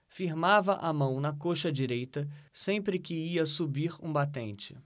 firmava a mão na coxa direita sempre que ia subir um batente